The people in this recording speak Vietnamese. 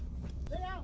á